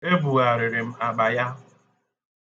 Ebugharịrị m akpa ya.